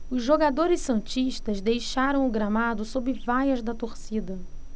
os jogadores santistas deixaram o gramado sob vaias da torcida